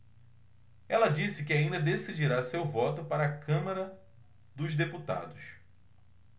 ela disse que ainda decidirá seu voto para a câmara dos deputados